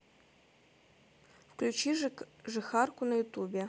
включить жихарку на ютубе